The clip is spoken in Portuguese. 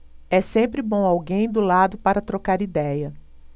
é sempre bom alguém do lado para trocar idéia